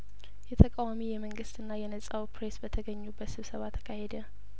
የተቃዋሚ የመንግስትና የነጻው ፕሬስ በተገኙበት ስብሰባ ተካሄደ